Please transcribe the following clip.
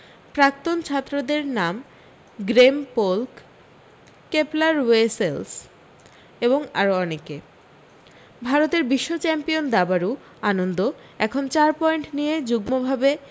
প্রাক্তন ছাত্রদের নাম গ্রেম পোলক কেপলার ওয়েসেলস এবং আরও অনেকে ভারতের বিশ্বচ্যাম্পিয়ন দাবাড়ু আনন্দ এখন চার পয়েন্ট নিয়ে যুগ্ম ভাবে